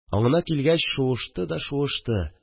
Аңына килгәч шуышты да шуышты